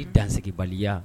I dansigibaliya